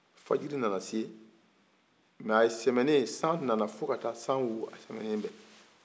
fajiri nana se an ka sɛmɛnen san nana fo ka ta san wo a sɛmɛnen bɛ